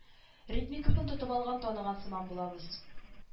Ритмикасын тотып алган таныган сыман булабыз